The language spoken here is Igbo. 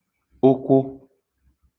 ụkwụ